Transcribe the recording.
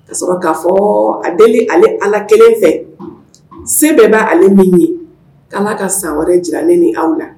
Ka'a sɔrɔ k'a fɔ a deli ale ala kelen fɛ se bɛɛ b'a ale min ye ala ka san wɛrɛ jiralen ni aw la